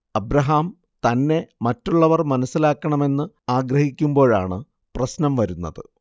Abraham തന്നെ മറ്റുള്ളവർ മനസ്സിലാക്കണമെന്ന് ആഗ്രഹിക്കുമ്പോഴാണ് പ്രശ്നം വരുന്നത്